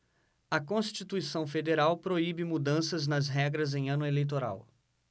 a constituição federal proíbe mudanças nas regras em ano eleitoral